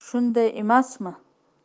shunday emasmi